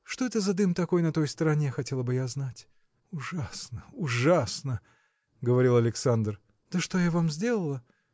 – Что это за дым такой на той стороне, хотела бы я знать?. – Ужасно! ужасно! – говорил Александр. – Да что я вам сделала?